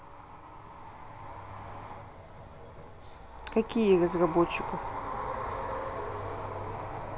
какие разработчиков